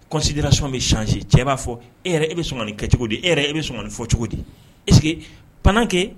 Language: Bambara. Kɔnsidira sɔn bɛ sansi cɛ b'a fɔ e e bɛ sɔn nin kɛ cogo di e e bɛ sɔn nin fɔ cogo di e panankɛ